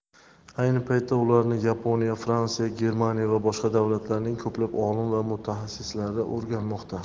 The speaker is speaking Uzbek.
ayni paytda ularni yaponiya fransiya germaniya va boshqa davlatlarning ko'plab olim va mutaxassislari o'rganmoqda